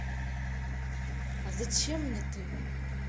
а зачем мне ты